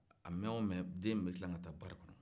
a mɛn o mɛn den in bɛ tila ka taa bari kɔnɔ